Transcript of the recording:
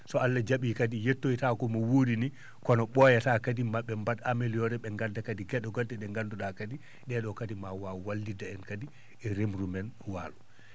so Allah ja?ii kadi yettoytaako mu wuuri ni kono ?ooyataa kadi maa ?e mbad amélioré ?e ngadda kadi ge?e go??e ?e nganndu?aa kadi ?ee ?oo kadi ma waaw wallitde en kadi e remru men waalo